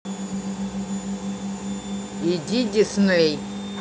иди дисней